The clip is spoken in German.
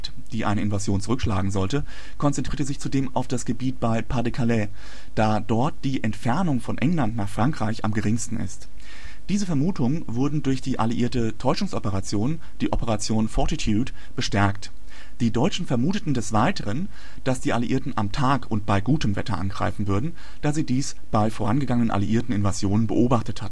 die eine Invasion zurückschlagen sollte, konzentrierte sich zudem auf das Gebiet beim Pas-de-Calais, da dort die Entfernung von England nach Frankreich am geringsten ist. Diese Vermutungen wurden durch die alliierte Täuschungsoperation, die Operation Fortitude, bestärkt. Die Deutschen vermuteten des weiteren, dass die Alliierten am Tag und bei gutem Wetter angreifen würden, da sie dies bei vorangegangenen alliierten Invasionen beobachtet